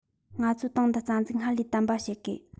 ང ཚོའི ཏང འདི རྩ འཛུགས སྔར ལས དམ པ བྱེད དགོས